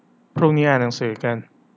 พรุ่งนี้อ่านหนังสือกัน